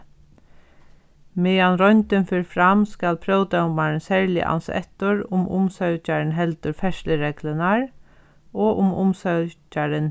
meðan royndin fer fram skal próvdómarin serliga ansa eftir um umsøkjarin heldur ferðslureglurnar og um